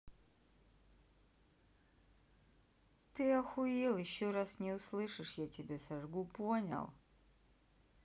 ты охуел еще раз не слышишь я тебя сожгу понял